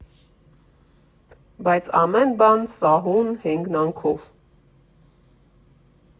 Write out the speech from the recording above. Բայց ամեն բան՝ սահուն հեգնանքով։